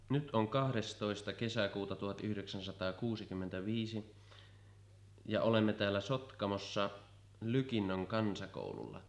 nyt on kahdestoista kesäkuuta tuhat yhdeksänsataa kuusikymmentä viisi ja olemme täällä Sotkamossa Lykinnön kansakoululla